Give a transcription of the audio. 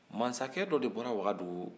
mansakɛ dɔ de bɔra wagadugu